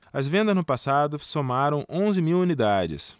as vendas no ano passado somaram onze mil unidades